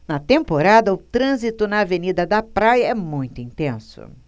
na temporada o trânsito na avenida da praia é muito intenso